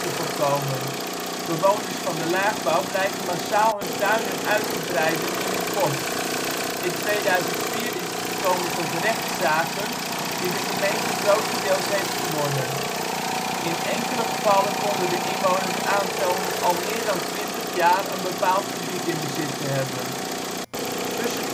voorkomen: bewoners van de laagbouw blijken massaal hun tuinen uit te breiden in het bos. In 2004 is het gekomen tot rechtszaken die de gemeente grotendeels heeft gewonnen. In enkele gevallen konden de inwoners aantonen al meer dan 20 jaar een bepaald gebied in bezit te hebben. Tussen